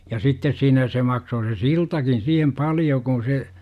ja sitten siinä se maksaa se siltakin siihen paljon kun se